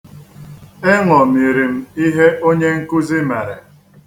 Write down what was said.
E ṅomiri m ihe onye nkuzi mere.